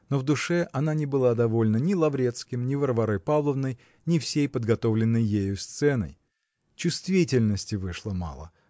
но в душе она не была довольна ни Лаврецким, ни Варварой Павловной, ни всей подготовленной ею сценой. Чувствительности вышло мало